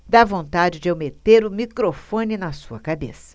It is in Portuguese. dá vontade de eu meter o microfone na sua cabeça